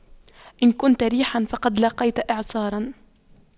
إن كنت ريحا فقد لاقيت إعصارا